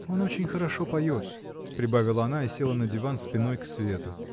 Он очень хорошо поет, — прибавила она и села на диван, спиной к свету.